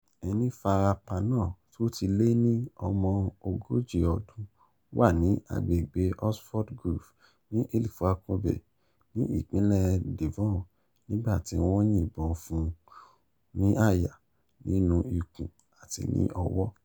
Ẹni farapa náà, tó ti lé ní ọmọ ogójì ọdún, wà ní àgbègbè Oxford Grove ní Ilfracombe, ní ìpínlẹ̀ Devon, nígbà tí wọ́n yìnbọn fún un ní àyà, nínú ikùn àti ní ọwọ́.